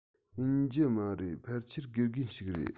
ཡིན གྱི མ རེད ཕལ ཆེར དགེ རྒན ཞིག རེད